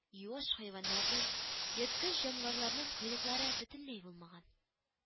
Юаш хайваннарның, ерткыч җанварларның койрыклары бөтенләй булмаган